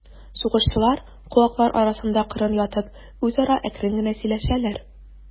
Сугышчылар, куаклар арасында кырын ятып, үзара әкрен генә сөйләшәләр.